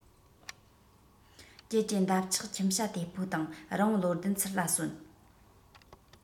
ཀྱེ ཀྱེ འདབ ཆགས ཁྱིམ བྱ དེ ཕོ དང རི བོང བློ ལྡན ཚུར ལ གསོན